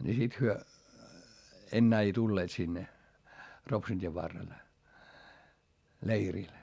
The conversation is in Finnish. niin sitten he enää ei tulleet sinne Ropsun tien varrelle leirille